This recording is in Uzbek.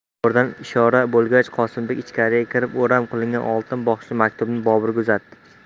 boburdan ishora bo'lgach qosimbek ichkariga kirib o'ram qilingan oltin bog'ichli maktubni boburga uzatdi